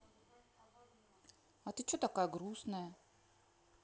а ты че такая грустная